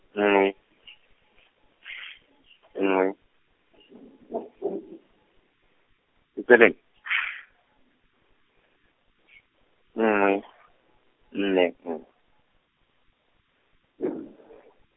nngwe , nngwe , ke tswelele? nngwe, nne nng- .